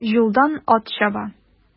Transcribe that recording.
Юлдан ат чаба.